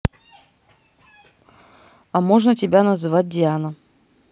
а можно тебя называть диана